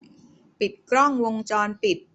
ปิดกล้องวงจรปิด